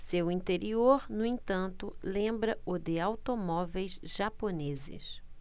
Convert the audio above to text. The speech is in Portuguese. seu interior no entanto lembra o de automóveis japoneses